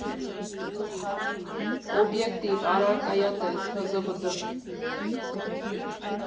Օբյեկտիվ, առարկայատես, հզվդ.